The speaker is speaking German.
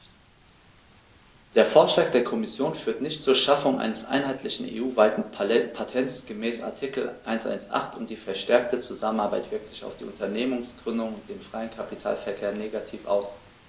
Der Vorschlag der Kommission führt nicht zur Schaffung eines einheitlichen, EU-weiten Patents gemäß Artikel 118, und die verstärkte Zusammenarbeit wirkt sich auf die Unternehmensgründung und den freien Kapitalverkehr negativ aus.